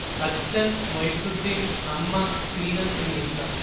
അച്ഛൻ മൊയ്സുദ്ദീൻ അമ്മ സീനത്തുന്നീസ